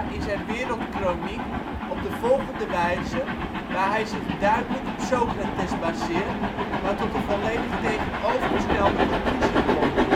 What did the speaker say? zijn Wereldkroniek op de volgende wijze, waar hij zich duidelijk op Socrates baseert, maar tot een volledig tegenovergestelde conclusie komt